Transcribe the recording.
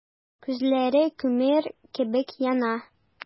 Күзләре күмер кебек яна.